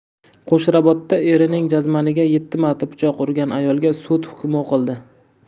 qo'shrabotda erining jazmaniga yetti marta pichoq urgan ayolga sud hukmi o'qildi